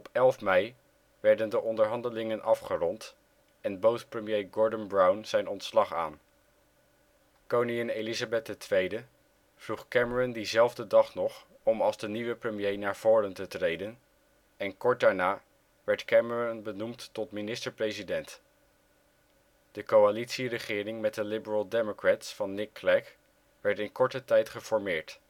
11 mei werden de onderhandelingen afgerond en bood premier Gordon Brown zijn ontslag aan. Koningin Elizabeth II vroeg Cameron dezelfde dag nog om als de nieuwe premier naar voren te treden en kort daarna werd Cameron benoemd tot minister-president. De coalitieregering met de Liberal Democrats van Nick Clegg werd in korte tijd geformeerd